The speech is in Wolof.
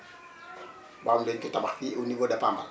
boo xam ne dañu koy tabax fii au niveau de Pambal